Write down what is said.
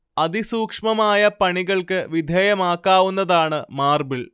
അതിസൂക്ഷ്മമായ പണികൾക്ക് വിധേയമാക്കാവുന്നതാണ് മാർബിൽ